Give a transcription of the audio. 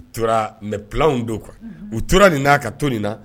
U tora mɛ pw don kan u tora nin n'a ka to nin na